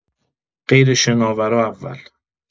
غیر شناورا اول